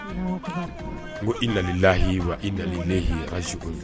N ko i lalilahiyi wa i lali ne h arako